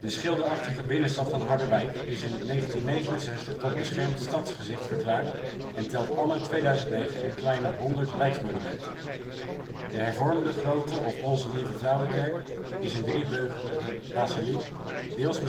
schilderachtige binnenstad van Harderwijk is in 1969 tot beschermd stadsgezicht verklaard en telt anno 2009 een kleine honderd rijksmonumenten. De hervormde Grote of Onze-Lieve-Vrouwekerk is een driebeukige basiliek, deels